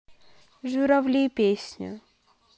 журавли песня